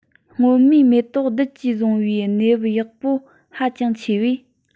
སྔོན མའི མེ ཏོག རྡུལ གྱིས བཟུང བའི གནས བབ ཡག པོ ཧ ཅང ཆེ བས